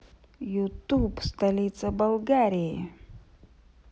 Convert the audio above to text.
youtube столица болгарии